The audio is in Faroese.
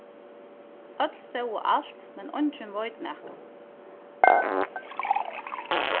øll sóu alt men eingin veit nakað